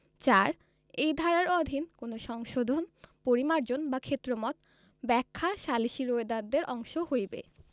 ৪ এই ধারার অধীন কোন সংশোধন পরিমার্জন বা ক্ষেত্রমত ব্যাখ্যা সালিসী রোয়েদাদদের অংশ হইবে